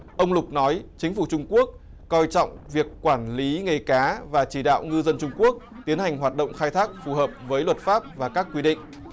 ông lục nói chính phủ trung quốc coi trọng việc quản lý nghề cá và chỉ đạo ngư dân trung quốc tiến hành hoạt động khai thác phù hợp với luật pháp và các quy định